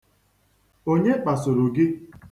Onye kpasuru gị?